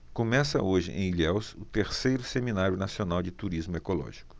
começa hoje em ilhéus o terceiro seminário nacional de turismo ecológico